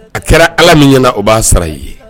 A kɛra Ala min ɲɛna o b'a sara i ye